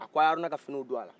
a k'a ye haruna ka finiw don ala